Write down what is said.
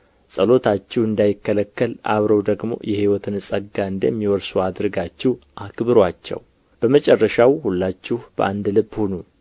ጸሎታችሁ እንዳይከለከል አብረው ደግሞ የሕይወትን ጸጋ እንደሚወርሱ አድርጋችሁ አክብሩአቸው በመጨረሻው ሁላችሁ በአንድ ልብ ሁኑ